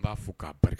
N b'a fɔ k'ari